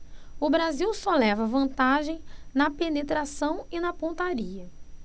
o brasil só leva vantagem na penetração e na pontaria